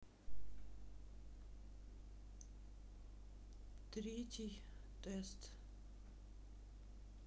третий тест